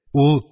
Ул: